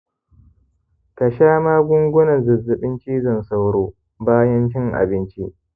ka sha magungunan zazzabin cizon sauro bayan cin abinci